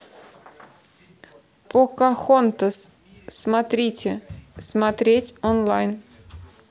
покахонтас смотрите смотреть онлайн